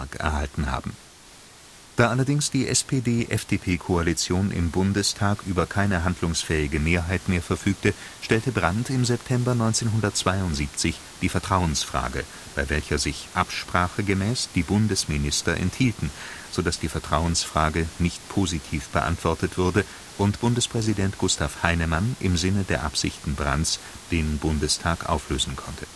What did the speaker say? erhalten haben. Da allerdings die SPD/FDP-Koalition im Bundestag über keine handlungsfähige Mehrheit mehr verfügte, stellte Brandt im September 1972 die Vertrauensfrage, bei welcher sich absprachegemäß die Bundesminister enthielten, sodass die Vertrauensfrage nicht positiv beantwortet wurde und Bundespräsident Gustav Heinemann im Sinne der Absichten Brandts den Bundestag auflösen konnte